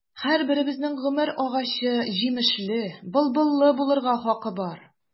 Һәрберебезнең гомер агачы җимешле, былбыллы булырга хакы бар.